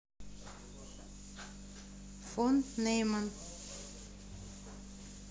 фон нейман